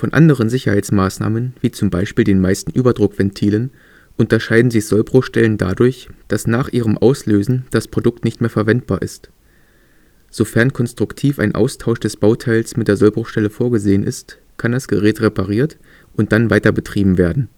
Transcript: anderen Sicherheitsmaßnahmen, wie z.B. den meisten Überdruckventilen, unterscheiden sich Sollbruchstellen dadurch, dass nach ihrem Auslösen das Produkt nicht mehr verwendbar ist. Sofern konstruktiv ein Austausch des Bauteils mit der Sollbruchstelle vorgesehen ist, kann das Gerät repariert und dann weiter betrieben werden